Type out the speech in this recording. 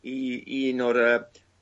i un o'r y